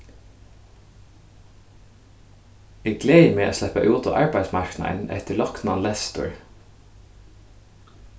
eg gleði meg at sleppa út á arbeiðsmarknaðin eftir loknan lestur